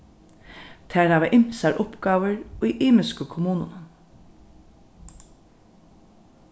tær hava ymsar uppgávur í ymisku kommununum